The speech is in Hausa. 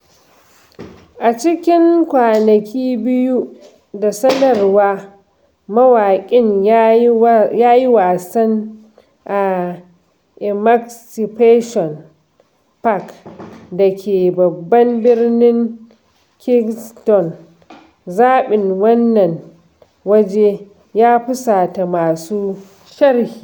A cikin kwanaki biyu da sanarwa, mawaƙin ya yi wasan a Emancipation Park da ke babban birnin Kingston - zaɓin wannan waje ya fusata masu sharhi.